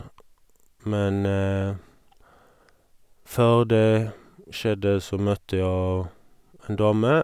Men før det skjedde, så møtte jeg en dame.